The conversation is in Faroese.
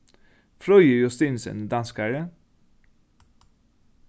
fríði justinussen er danskari